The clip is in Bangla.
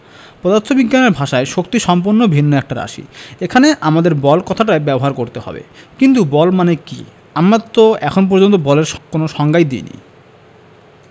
পদার্থবিজ্ঞানের ভাষায় শক্তি সম্পূর্ণ ভিন্ন একটা রাশি এখানে আমাদের বল কথাটাই ব্যবহার করতে হবে কিন্তু বল মানে কী আমরা তো এখন পর্যন্ত বলের কোনো সংজ্ঞা দিইনি